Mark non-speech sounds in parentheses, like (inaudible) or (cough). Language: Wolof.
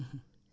(hesitation) (hesitation)